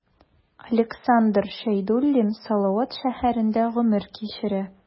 Александр Шәйдуллин Салават шәһәрендә гомер кичерә.